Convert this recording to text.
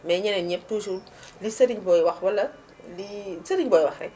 mais ñeneen ñëpp toujours li Serigne Boye wax walla lii Serigne Boye wax rek